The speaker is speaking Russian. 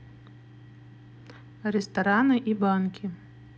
рестораны и банки